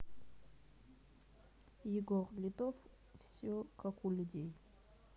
егор летов все как у людей